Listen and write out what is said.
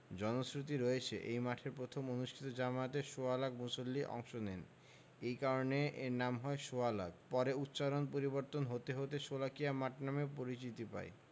জনশ্রুতি রয়েছে এই মাঠে প্রথম অনুষ্ঠিত জামাতে সোয়া লাখ মুসল্লি অংশ নেন এ কারণে এর নাম হয় সোয়া লাখ পরে উচ্চারণ পরিবর্তন হতে হতে শোলাকিয়া মাঠ নামে পরিচিতি পায়